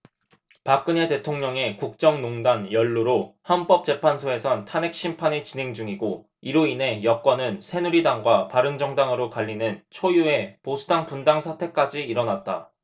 박근혜 대통령의 국정농단 연루로 헌법재판소에선 탄핵 심판이 진행 중이고 이로 인해 여권은 새누리당과 바른정당으로 갈리는 초유의 보수당 분당 사태까지 일어났다